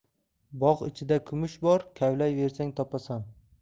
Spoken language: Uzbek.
bog' ichida kumush bor kavlaybersang topasan